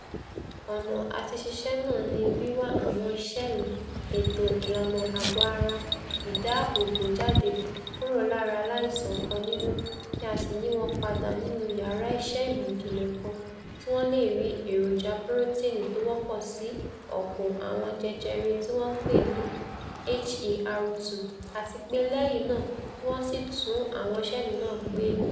Ọ̀nà àtiṣiṣẹ́ náà ní wíwa àwọn ṣẹ́ẹ̀lì ètò ìlànà àgọ́-ara ìdáààbòbò jáde kúrò lára aláìsàn kan nínú, kí á sì yíwọn padà nínú yàrá iṣẹ́ ìmọ̀ ìjìnlẹ̀ kan kí wọ́n leè 'ri' èròja puroteeni tówọ́pọ̀ sí ọ̀pọ̀ àwọn jẹjẹrẹ tíwọ́n ńpe ni HER2, àtipé lẹ́yìn náà kí wọ́n sì tún àwọn ṣẹ́ẹ̀lì náà gbé mi.